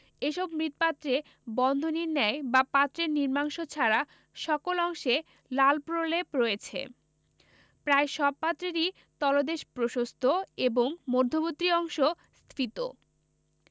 এসব মৃৎপাত্রে বন্ধনীযর ন্যায় বা পাত্রের নিম্নাংশ ছাড়া সকল অংশে লাল প্রলেপ রয়েছে প্রায় সব পাত্রেরই তলদেশ প্রশস্ত এবং মধবর্তী অংশ স্ফীত